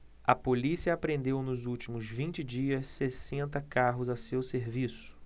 a polícia apreendeu nos últimos vinte dias sessenta carros a seu serviço